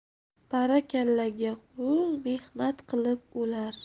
barakallaga qui mehnat qilib o'lar